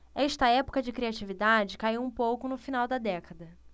esta época de criatividade caiu um pouco no final da década